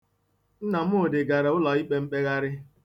Nnamdị gara ụlọikpe mkpegharị.